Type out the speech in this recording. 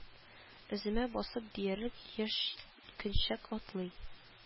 Эземә басып диярлек яшьҗилкенчәк атлый